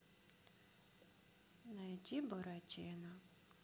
найди буратино